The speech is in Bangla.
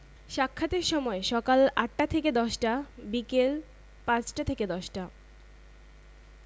সাক্ষাতের সময়ঃসকাল ৮টা থেকে ১০টা বিকাল ৫টা থেকে ১০টা